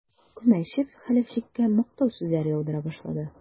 Күмәчев Хәләфчиккә мактау сүзләре яудыра башлады.